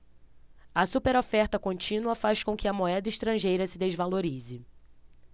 a superoferta contínua faz com que a moeda estrangeira se desvalorize